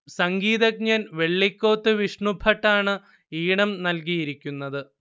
സംഗീതജ്ഞൻ വെള്ളിക്കോത്ത് വിഷ്ണുഭട്ട് ആണ് ഈണം നല്കിയിരിക്കുന്നത്